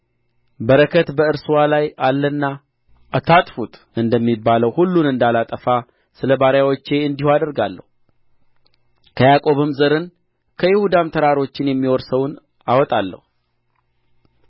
በረከት በእርስዋ ላይ አለና አታጥፉት እንደሚባለው ሁሉን እንዳላጠፉ ስለባሪያዎቼ እንዲሁ አደርጋለሁ ከያዕቆብ ዘርን ከይሁዳም ተራሮቼን የሚወርሰውን አወጣለሁ